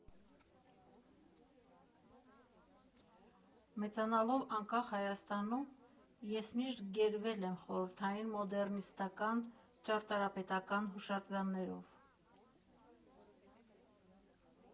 Մեծանալով անկախ Հայաստանում՝ ես միշտ գերվել եմ խորհրդային մոդեռնիստական ճարտարապետական հուշարձաններով։